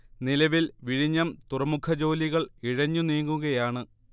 നിലവിൽ വിഴിഞ്ഞം തുറമുഖ ജോലികൾ ഇഴഞ്ഞു നീങ്ങുകയാണ്